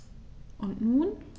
Und nun?